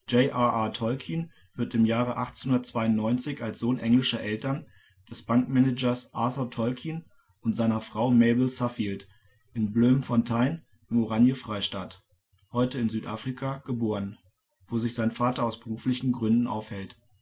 R. R. Tolkien wird im Jahre 1892 als Sohn englischer Eltern, des Bankmanagers Arthur Tolkien und seiner Frau Mabel Suffield, in Bloemfontein im Oranje-Freistaat (heute in Südafrika) geboren, wo sich sein Vater aus beruflichen Gründen aufhält